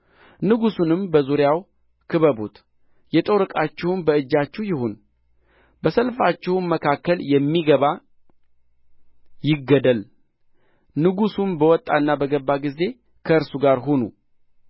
ንጉሡንም በዙሪያው ክበቡት የጦር ዕቃችሁም በእጃችሁ ይሁን በሰልፋችሁ መካከል የሚገባ ይገደል ንጉሡም በወጣና በገባ ጊዜ ከእርሱ ጋር ሁኑ